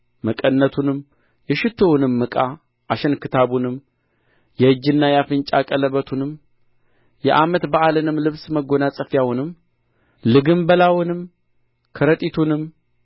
መቀነቱንም የሽቱውንም ዕቃ አሸንክታቡንም የእጅና የአፍንጫ ቀለበቱንም የዓመት በዓልንም ልብስ መጐናጸፊያውንም ልግምበገላውንም ከረጢቱንም